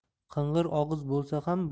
qing'ir og'iz bo'lsa ham